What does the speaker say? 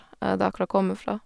Der hvor jeg kommer fra.